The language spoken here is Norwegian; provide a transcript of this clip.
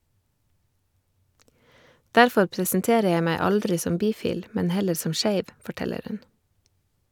Derfor presenterer jeg meg aldri som bifil, men heller som skeiv , forteller hun.